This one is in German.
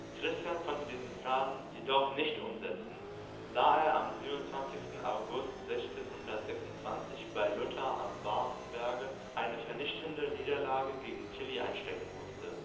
Christian konnte diesen Plan jedoch nicht umsetzen, da er am 27. August 1626 bei Lutter am Barenberge eine vernichtende Niederlage gegen Tilly einstecken musste